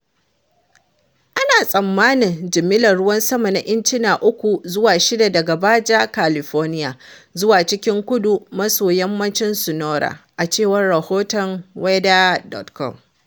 “Ana tsammanin jimillar ruwan sama na incina 3 zuwa 6 daga Baja California zuwa cikin kudu-maso-yammacin Sonora,” a cewar rahoton weather.com.